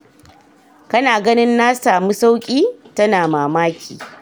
“Kana ganin na samu sauki?” tana mamaki.